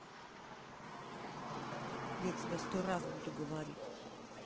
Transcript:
я тебя сто раз буду говорить